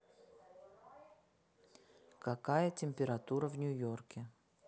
какая температура в нью йорке